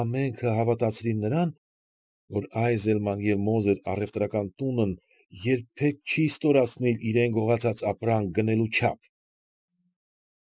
Ամենքը հավատացին նրան, որ «Այզելման և Մոզեր» առևտրական տունն երբեք չի ստորացնիլ իրան գողացած ապրանք գնելու չափ։